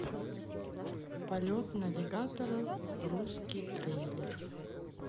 полет навигатора русский трейлер